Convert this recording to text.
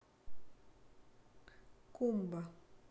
кумба